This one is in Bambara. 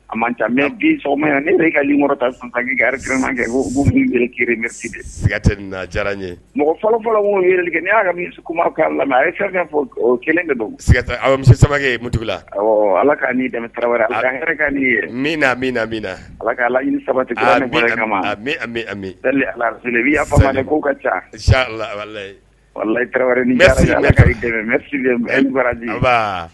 A man mɛ bite na diyara n ye mɔgɔ fɔlɔfɔlɔ ne y'a misi ka a ye fɔ kelen de don misi saba ye mutula ala ka min a min na min na ala k alayi saba ala'a k' ka cayiyiji